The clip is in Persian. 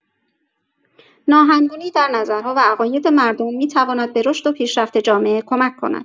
ناهمگونی در نظرها و عقاید مردم می‌تواند به رشد و پیشرفت جامعه کمک کند.